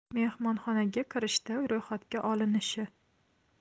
mehmonxonaga kirishda ro'yxatga olinishi